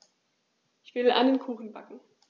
Ich will einen Kuchen backen.